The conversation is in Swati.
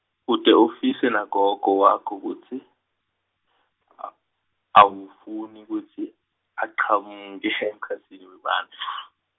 ute ufise nagogo wakho kutsi, a- awufuni kutsi, achamuke emkhatsini webantfu.